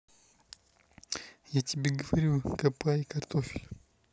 я тебе говорю капай картель